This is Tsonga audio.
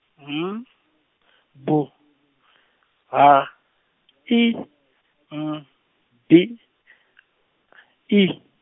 M B H I M B I.